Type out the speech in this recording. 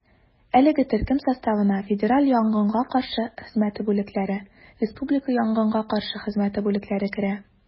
Әлеге төркем составына федераль янгынга каршы хезмәте бүлекләре, республика янгынга каршы хезмәте бүлекләре керә.